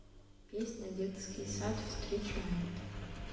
песня детский сад встречает